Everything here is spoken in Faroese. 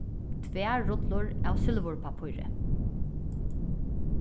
tvær rullur av silvurpappíri